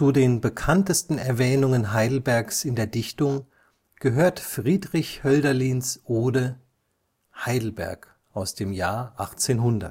den bekanntesten Erwähnungen Heidelbergs in der Dichtung gehört Friedrich Hölderlins Ode Heidelberg (1800